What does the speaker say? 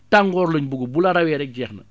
tàngoor la ñu bëgg bu la rawee rekk jeex na